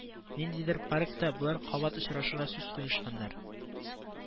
Ниндидер паркта болар кабат очрашырга сүз куешканнар